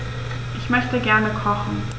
Ich möchte gerne kochen.